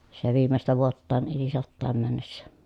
se viimeistä vuottaan eli sataa mennessä